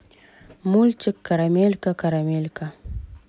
мультик карамелька карамелька